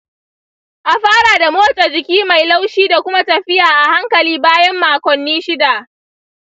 a fara da motsa jiki mai laushi da kuma tafiya a hankali bayan makonni shida.